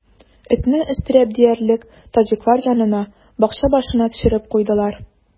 Этне, өстерәп диярлек, таҗиклар янына, бакча башына төшереп куйдылар.